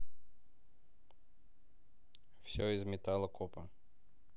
все из метало копа